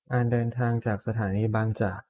การเดินทางจากสถานีบางจาก